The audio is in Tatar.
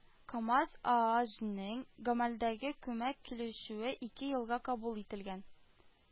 “камаз” ааҗнең гамәлдәге күмәк килешүе ике елга кабул ителгән